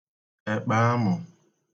ẹ̀kpàamù